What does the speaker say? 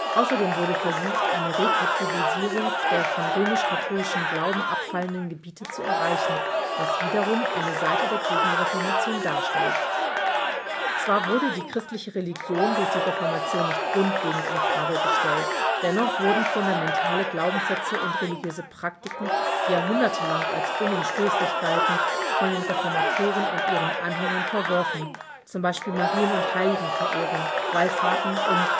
Außerdem wurde versucht, eine Rekatholisierung der vom römisch-katholischen Glauben abgefallenen Gebiete zu erreichen, was wiederum eine Seite der Gegenreformation darstellt. Zwar wurde die christliche Religion durch die Reformation nicht grundlegend in Frage gestellt, dennoch wurden fundamentale Glaubenssätze und religiöse Praktiken, die jahrhundertelang als unumstößlich galten, von den Reformatoren und ihren Anhängern verworfen (z. B. Marien - und Heiligenverehrung, Wallfahrten und